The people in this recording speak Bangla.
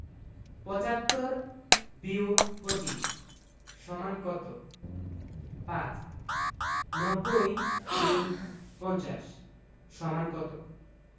৭৫-২৫ = কত ৫ ৯০-৫০ = কত